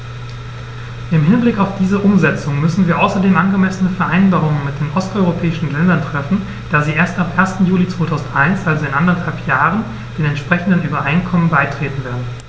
Im Hinblick auf diese Umsetzung müssen wir außerdem angemessene Vereinbarungen mit den osteuropäischen Ländern treffen, da sie erst ab 1. Juli 2001, also in anderthalb Jahren, den entsprechenden Übereinkommen beitreten werden.